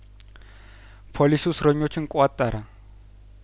ፖሊሱ እስረኞችን ኰጠረ